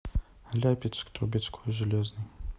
ляпис трубецкой железный